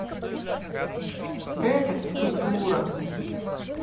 это физкультура